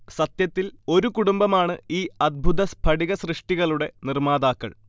സത്യത്തിൽ ഒരു കുടുംബമാണ് ഈ അദ്ഭുത സ്ഥടികസൃഷ്ടികളുടെ നിർമാതാക്കൾ